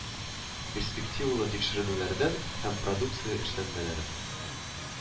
Перспективалы тикшеренүләрдән һәм продукция эшләнмәләре